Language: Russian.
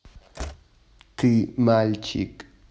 ты мальчик